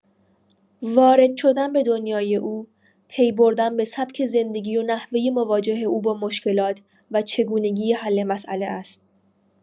وارد شدن به دنیای او، پی‌بردن به سبک زندگی و نحوه مواجه او با مشکلات و چگونگی حل‌مسئله است.